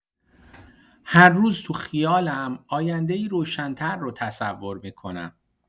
هر روز تو خیالم آینده‌ای روشن‌تر رو تصور می‌کنم.